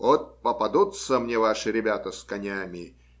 Вот попадутся мне ваши ребята с конями